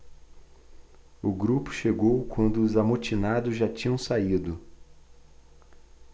o grupo chegou quando os amotinados já tinham saído